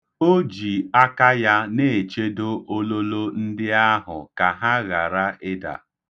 O ji aka ya na-echedo ololo ndị ahụ ka ha ghara ịda.